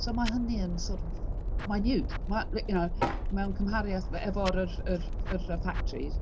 So mae hynny yn sort of minute, mae you know mewn cymhariaeth efo'r yr yr yr y factories.